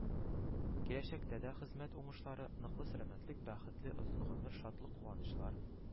Киләчәктә дә хезмәт уңышлары, ныклы сәламәтлек, бәхетле озын гомер, шатлык-куанычлар